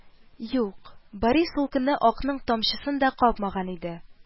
Юк, Борис ул көнне «ак»ның тамчысын да капмаган иде